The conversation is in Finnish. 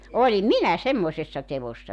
olin minä semmoisessa teossa